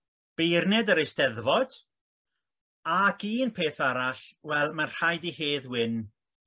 beirned yr Eisteddfod ac un peth arall wel mae'n rhaid i Hedd Wyn